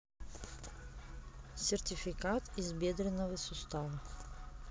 серфикат из бедренного сустава